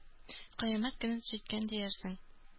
Кыямәт көне җиткән диярсең.